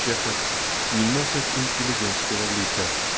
Чехов не носят интеллигентского лика.